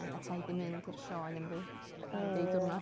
Nain a taid 'di mynd i'r sioe am ryw dau... ia. ...dri diwrnod.